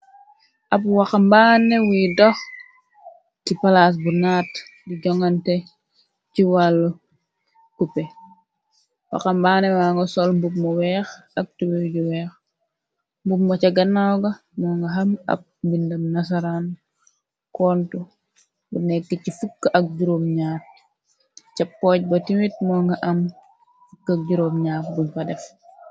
Ab waxa mbaane wiy dox ci palaas bu naat di jongante ci wàll kupe waxa mbaanewa nga sol mbub mu weex ak tuwe ju weex mbup ma ca ganaawga moo nga xam ab mbindam nasaraan kontu bu nekk ci fkk ak juróom ñaar ca poj ba timit moo nga am f ñar buñ ba def.